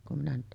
kun minä nyt